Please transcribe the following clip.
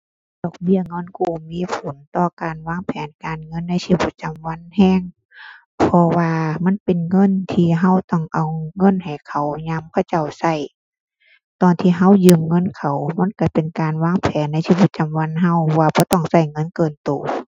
ดอกเบี้ยเงินกู้มีผลต่อการวางแผนการเงินในชีวิตประจำวันแรง เพราะว่ามันเป็นเงินที่แรงต้องเอาเงินให้เขายามเขาเจ้าแรง ตอนที่แรงยืมเงินเขามันแรงเป็นการวางแผนในชีวิตประจำวันแรงว่าบ่ต้องแรงเงินเกินแรง